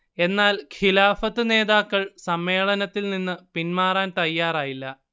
എന്നാൽ ഖിലാഫത്ത് നേതാക്കൾ സമ്മേളനത്തിൽ നിന്ന് പിന്മാറാൻ തയാറായില്ല